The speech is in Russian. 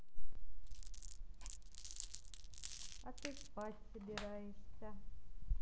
а ты спать собираешься